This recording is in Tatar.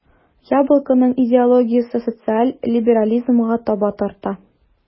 "яблоко"ның идеологиясе социаль либерализмга таба тарта.